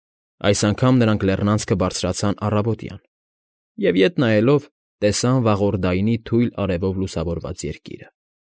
Այս անգամ նրանք լեռնանցքը բարձրացան առավոտյան և, ետ նայելով, տեսա վաղորդայնի թույլ արևով լուսավորված երկիրը։